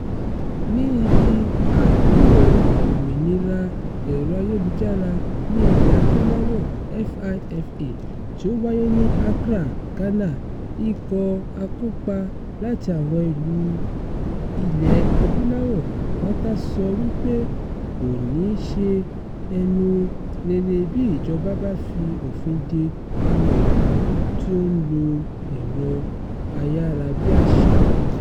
Ní ibi Àpérò Òmìnira Ẹ̀rọ-ayélujára ní Ilẹ̀-Adúláwọ̀ (FIFA) tí ó wáyé ní Accra, Ghana, ikọ̀ akópa láti àwọn ìlú ilẹ̀ Adúláwọ̀ pátá sọ wípé kò ní ṣe ẹnu rere bí ìjọba bá fi òfin de ọmọ-ìlú tí ó ń lo ẹ̀rọ-ayárabíaṣá.